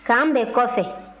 k'an bɛn kɔfɛ